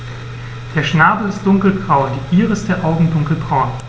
Der Schnabel ist dunkelgrau, die Iris der Augen dunkelbraun.